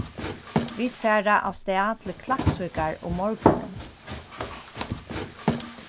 vit fara avstað til klaksvíkar um morgunin